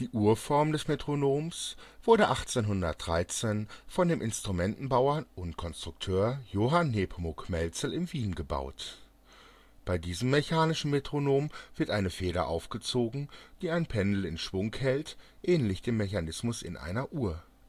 Urform des Metronoms wurde 1813 von dem Instrumentenbauer und Konstrukteur Johann Nepomuk Mälzel in Wien gebaut. Bei diesem mechanischen Metronom wird eine Feder aufgezogen, die ein Pendel in Schwung hält, ähnlich dem Mechanismus in einer Uhr